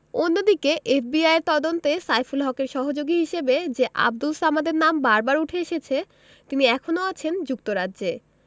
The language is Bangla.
অন্যদিকে এফবিআইয়ের তদন্তে সাইফুল হকের সহযোগী হিসেবে যে আবদুল সামাদের নাম বারবার উঠে এসেছে তিনি এখনো আছেন যুক্তরাজ্যে